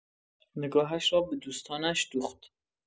نگاهش را به دوستانش دوخت.